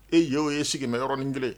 E y oo ye sigilen yɔrɔin kelen